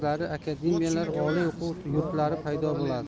markazlari akademiyalar oliy o'quv yurtlari paydo bo'ladi